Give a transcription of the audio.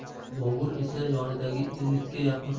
bobur esa yonidagi ellikka yaqin